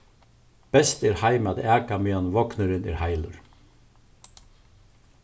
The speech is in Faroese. best er heim at aka meðan vognurin er heilur